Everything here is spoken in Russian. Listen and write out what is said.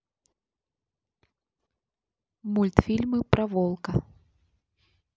мультфильмы про волка